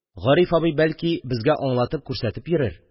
Гариф абзый бәлки безгә аңлатып-күрсәтеп тә йөрер.